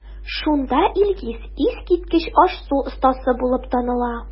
Шунда Илгиз искиткеч аш-су остасы булып таныла.